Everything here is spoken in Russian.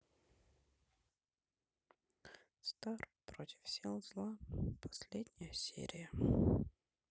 стар против сил зла последняя серия